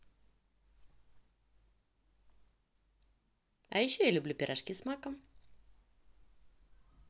а еще я люблю пирожки с маком